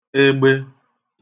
egbe